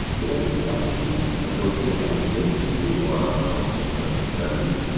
Der erste Spatenstich erfolgte am 6. Februar 1973. Die